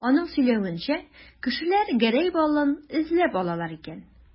Аның сөйләвенчә, кешеләр Гәрәй балын эзләп алалар икән.